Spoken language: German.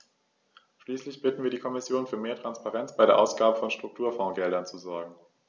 Schließlich bitten wir die Kommission, für mehr Transparenz bei der Ausgabe von Strukturfondsgeldern zu sorgen.